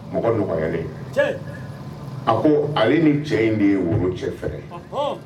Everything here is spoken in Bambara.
Mɔgɔ nɔgɔyalen a ko ale ni cɛ in de ye woro cɛ fɛ